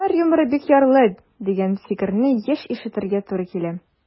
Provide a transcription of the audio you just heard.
Татар юморы бик ярлы, дигән фикерне еш ишетергә туры килә.